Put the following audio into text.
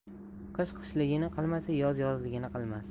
qish qishligini qilmasa yoz yozligini qilmas